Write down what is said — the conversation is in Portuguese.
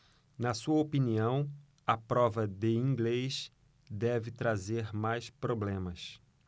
na sua opinião a prova de inglês deve trazer mais problemas